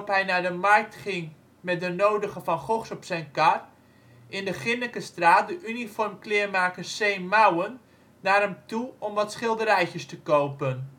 hij naar de markt ging met de nodige Van Goghs op zijn kar, in de Ginnekenstraat de uniformkleermaker C. Mouwen naar hem toe om wat schilderijtjes te kopen